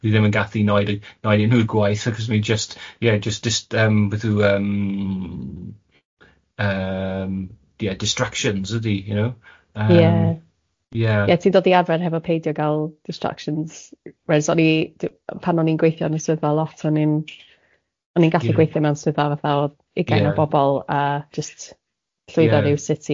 fi ddim yn gallu noed y noedio nhw'r gwaith achos mi jyst ie jyst jyst yym beth yw yym yym ie distractions yd you know yym... Ie ti'n dod i arfer hefo peidio gael distractions whereas o'n i pan o'n i'n gweithio yn y swyddfa lot o'n i'n o'n i'n gallu gweithio mewn swyddfa fatha.. Ie. ...o'dd ugain o bobl a jyst llwyddo ryw sut i... Ie.